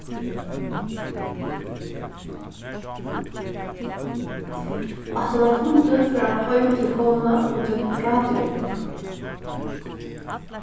aftan á fundin fór hann heim til konuna og tók prátið upp